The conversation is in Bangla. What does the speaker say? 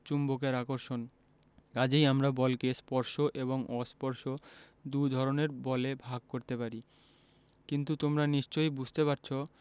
চুম্বকের আকর্ষণ কাজেই আমরা বলকে স্পর্শ এবং অস্পর্শ দুই ধরনের বলে ভাগ করতে পারি কিন্তু তোমরা নিশ্চয়ই বুঝতে পারছ